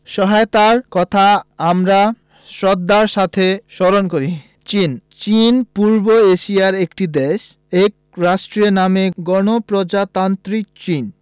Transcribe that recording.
সহায়তার কথা আমরা শ্রদ্ধার সাথে স্মরণ করি চীন চীন পূর্ব এশিয়ার একটি দেশ এর রাষ্ট্রীয় নাম গণপ্রজাতন্ত্রী চীন